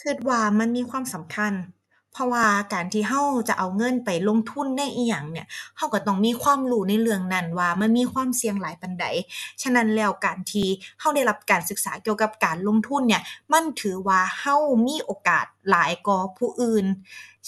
คิดว่ามันมีความสำคัญ เพราะว่าการที่คิดจะเอาเงินไปลงทุนในอิหยังเนี่ย คิดคิดต้องมีความรู้ในเรื่องนั้นว่ามันมีความเสี่ยงหลายปานใด ฉะนั้นแล้วการที่คิดได้รับการศึกษาเกี่ยวกับการลงทุนเนี่ย มันถือว่าคิดมีโอกาสหลายกว่าผู้อื่น